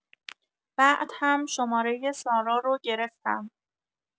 بعد هم شمارۀ سارا رو گرفتم.